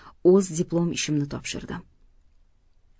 o'z diplom ishimni topshirdim